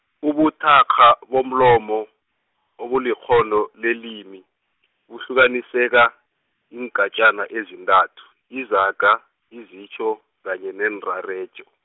ubuthakgha bomlomo, obulikghono lelimi, buhlukaniseka iingatjana ezintathu, izaga, izitjho kanye neenrarejo.